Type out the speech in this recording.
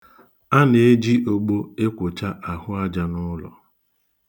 A na-eji ogbo ekwocha ahụ aja n'ụlọ.